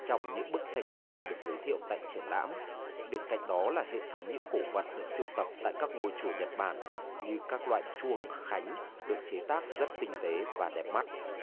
trong những bức tranh cổ được giới thiệu tại triển lãm bên cạnh đó là hệ thống những cổ vật được sưu tập tại các ngôi chùa nhật bản như các loại chuông khánh được chế tác rất tinh tế và đẹp mắt